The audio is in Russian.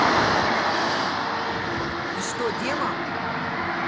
ты что демон